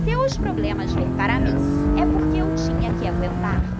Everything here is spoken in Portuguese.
se os problemas vêm para mim é porque eu tinha que aguentar